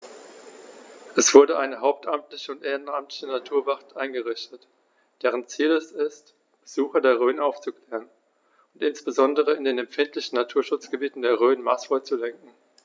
Es wurde eine hauptamtliche und ehrenamtliche Naturwacht eingerichtet, deren Ziel es ist, Besucher der Rhön aufzuklären und insbesondere in den empfindlichen Naturschutzgebieten der Rhön maßvoll zu lenken.